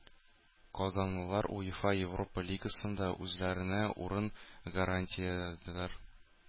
Казанлылар УЕФА Европа Лигасында үзләренә урын гарантияләделәр.